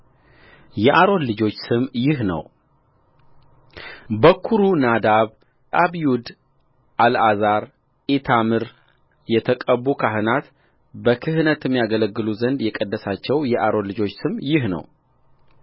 የአሮን ልጆች ስም ይህ ነው በኵሩ ናዳብ አብዩድ አልዓዛር ኢታምርየተቀቡ ካህናት በክህነትም ያገለግሉ ዘንድ የቀደሳቸው የአሮን ልጆች ስም ይህ ነው